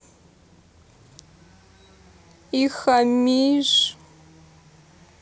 и хамишь